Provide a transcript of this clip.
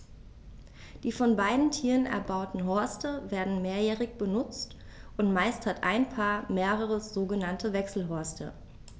Die von beiden Tieren erbauten Horste werden mehrjährig benutzt, und meist hat ein Paar mehrere sogenannte Wechselhorste.